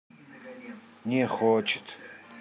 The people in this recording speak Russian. не хочет